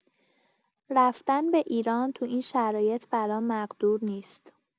رفتن به ایران تو این شرایط برام مقدور نیست.